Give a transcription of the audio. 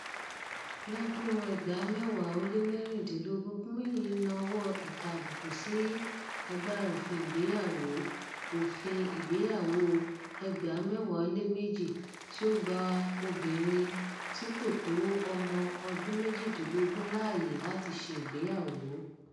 Lọ́dún-un 2016, Gyumi na ọwọ́ ìka àbùkù sí agbára Òfin Ìgbéyàwó; Law of Marriage Act, 2002 (LMA) tí ó gba obìnrin tí kò tó ọmọ ọdún méjìdínlógún láyè láti ṣe ìgbéyàwó.